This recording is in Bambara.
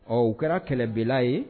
Ɔ o kɛra kɛlɛbela ye